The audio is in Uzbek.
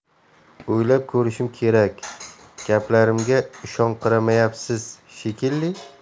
o'ylab ko'rishim kerak gaplarimga ishonqiramayapsiz shekilli